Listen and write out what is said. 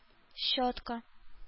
Щетка